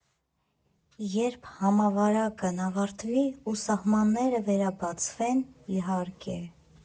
Երբ համավարակն ավարտվի ու սահմանները վերաբացվեն, իհարկե։